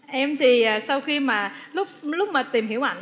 em thì sau khi mà lúc lúc mà tìm hiểu ảnh